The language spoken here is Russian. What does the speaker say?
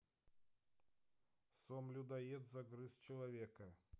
сом людоед загрыз человека